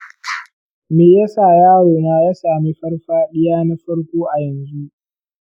me yasa yaro na ya sami farfaɗiya na farko a yanzu?